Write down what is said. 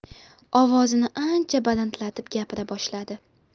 ovozini ancha balandlatib gapira boshladi